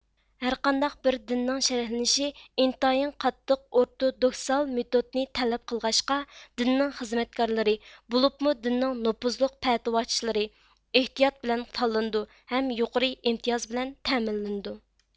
ھەر قانداق بىر دىننىڭ شەرھلىنىشى ئىنتايىن قاتتىق ئورتودوكسال مېتودنى تەلەپ قىلغاچقا دىننىڭ خىزمەتكارلىرى بولۇپمۇ دىننىڭ نوپۇزلۇق پەتىۋاچىلىرى ئېھتىيات بىلەن تاللىنىدۇ ھەم يۇقىرى ئىمتىياز بىلەن تەمىنلىنىدۇ